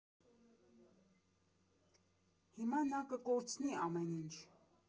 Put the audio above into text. Հիմա նա կկորցնի ամեն ինչ։